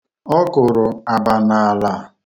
Ọ kụrụ aba n'ala.